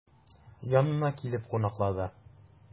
Янына килеп кунаклады.